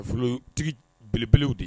Nafolotigi belew de ye